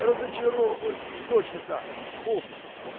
разочарованный, точно так-с, вспомнил!